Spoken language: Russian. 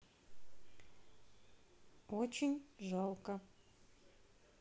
очень жалко